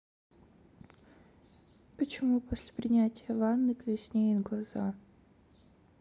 почему после принятия ванны краснеет глаза